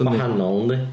Gwahanol yndi?